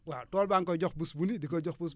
waa tool baa ngi koy jox bés bu ni di ko jox bés